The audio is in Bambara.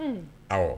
Unnn awɔ